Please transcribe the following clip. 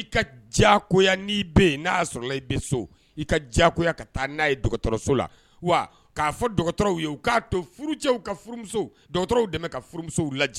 I ka ja n n' sɔrɔ i bɛ so i ka ja ka taa n'a ye dɔgɔtɔrɔso la wa k'a fɔ dɔgɔtɔrɔw ye u k'a to furucɛwmuso dɔgɔtɔrɔw dɛmɛ ka furumusow lajɛ